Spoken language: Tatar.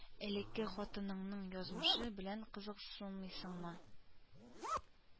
Элекке хатыныңның язмышы белән кызыксынмыйсыңмы